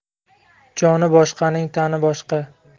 joni boshqaning tani boshqa